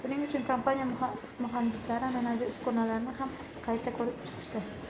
buning uchun kompaniya muhandislari an'anaviy uskunalarni ham qayta qurib chiqishdi